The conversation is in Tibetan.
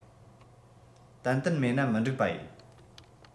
ཏན ཏན མེད ན མི འགྲིག པ ཡིན